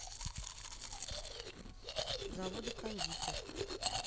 заводы кондитер